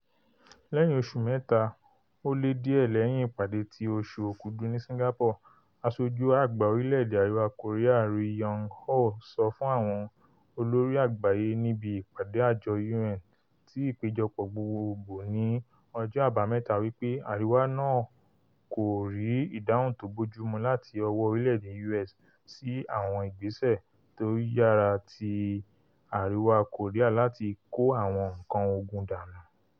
Lẹ́yìn oṣù mẹ́ta o le diẹ lẹ́yìn ìpàdé ti oṣù Òkúdu ni Singapore, aṣojú àgbà orílẹ̀-èdè Àríwa Kòríà Ri Yong Ho sọ fún àwọn olórí àgbáyé níbi ìpàdé àjọ U.N. ti Ìpéjọpọ̀ Gbogbogbòò ni ọjọ́ Àbámẹ́ta wípé Àríwá náà kòrí ''ìdáhùn tó bójúmu'' láti ọwọ́ orílẹ̀-èdè U. S. sí àwọn ìgbésẹ̀ tó yára ti Àríwá Kòríà láti kó àwọn nǹkàn ogun dánù.